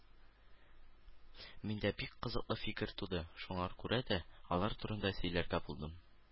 Миндә бик кызыклы фикер туды, шуңа күрә дә алар турында сөйләргә булдым